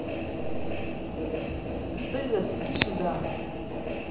стс иди сюда